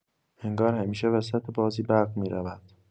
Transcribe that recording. انگار همیشه وسط بازی برق می‌رود.